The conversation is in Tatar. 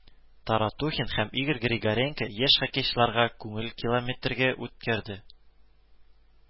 Таратухин һәм Игорь Григоренко яшь хоккейчыларга күнекилометрә үткәрде